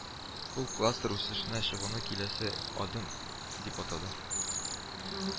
Ул кластер үсешенә чыгуны киләсе адым дип атады